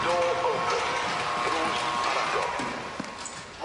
Door open. Drws ar agor.